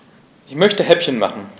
Ich möchte Häppchen machen.